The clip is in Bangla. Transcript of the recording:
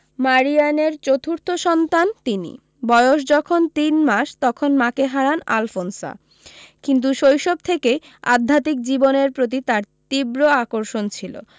মারিয়ানের চতুর্থ সন্তান তিনি বয়স যখন তিন মাস তখন মাকে হারান আলফোনসা কিন্তু শৈশব থেকেই আধ্যাত্মিক জীবনের প্রতি তাঁর তীব্র আকর্ষণ ছিল